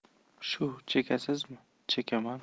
shu chekasizmi chekaman